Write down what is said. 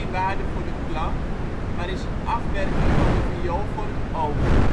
waarde voor de klank, maar is een afwerking van de viool voor het oog